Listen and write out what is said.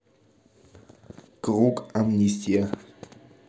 круг амнистия